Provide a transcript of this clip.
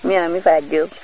miyo mi Fatou Diop